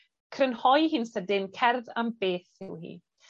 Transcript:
crynhoi hi'n sydyn, cerdd am beth yw hi.